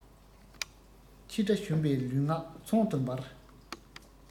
ཕྱི དགྲ གཞོམ པའི ལུས ངག མཚོན དུ འབར